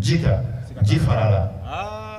Ji ka ji fara la